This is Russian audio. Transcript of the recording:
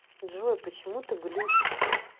джой почему ты глючишь